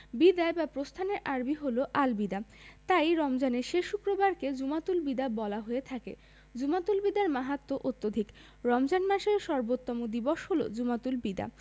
বিদায় বা প্রস্থানের আরবি হলো আল বিদা তাই রমজানের শেষ শুক্রবারকে জুমাতুল বিদা বলা হয়ে থাকে জুমাতুল বিদার মাহাত্ম্য অত্যধিক রমজান মাসের সর্বোত্তম দিবস হলো জুমাতুল বিদা